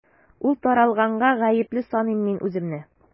Ул таралганга гаепле саныймын мин үземне.